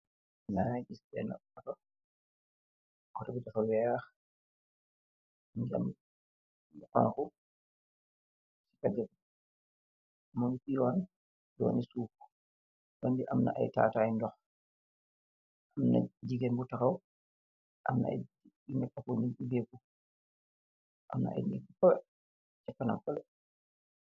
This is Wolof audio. Mageh giss bena auto auto bi dafa weex ameh lu xonxa mung si yunni yuni sool yun bi amna taataay ndox amna jigeen bu taxaw amna ay yu nekkaku nu beeku amna ay nekk peh ca fanam felee.